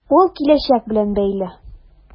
Ул киләчәк белән бәйле.